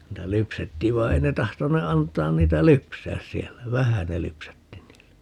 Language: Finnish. niitä lypsettiin vaan ei ne tahtoneet antaa niitä lypsää siellä vähän ne lypsätti niillä